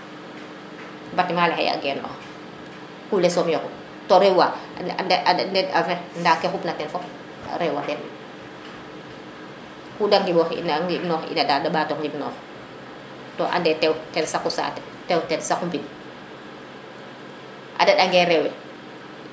batiment ne xay a genoox tule soom yoqu to rewa a nde a 20 to ke xup na ten sax rewa nde u ku de ŋum noox ina dal de ɓato ŋim noox to ande tew saqu saate tew saqu mbin a re ange rewe